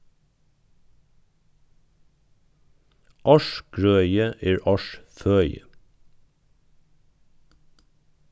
ársgrøði er ársføði